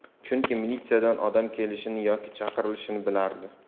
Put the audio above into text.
chunki militsiyadan odam kelishini yoki chaqirilishini bilardi